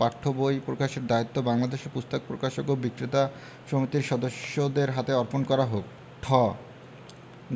পাঠ্য বই প্রকাশের দায়িত্ব বাংলাদেশ পুস্তক প্রকাশক ও বিক্রেতা সমিতির সদস্যদের হাতে অর্পণ করা হোক ঠ